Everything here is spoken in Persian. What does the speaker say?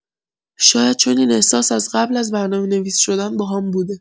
شاید چون این احساس از قبل از برنامه‌نویس شدن باهام بوده.